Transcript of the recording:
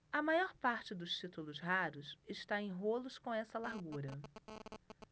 a maior parte dos títulos raros está em rolos com essa largura